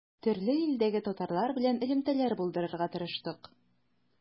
Төрле илдәге татарлар белән элемтәләр булдырырга тырыштык.